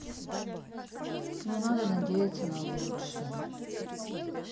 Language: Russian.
ну надо надеяться на лучшее